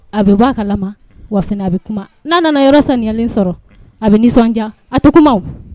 A bɛ' kala wafin a bɛ kuma n'a nana yɔrɔ saniyalen sɔrɔ a bɛ nisɔndiya a tugu kuma